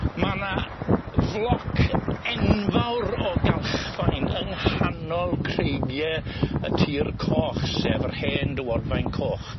ma' 'na floc enfawr o galchfaen yng nghanol creigie y tir coch sef yr hen dywodfaen coch.